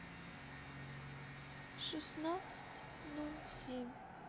шестнадцать ноль семь